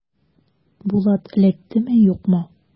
Булат эләктеме, юкмы?